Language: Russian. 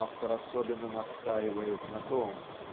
Автор особенно настаивает на том